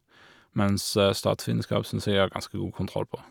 Mens statsvitenskap syns jeg jeg har ganske god kontroll på.